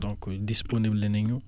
donc disponible nañu